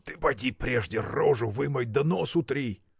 Ты поди прежде рожу вымой да нос утри.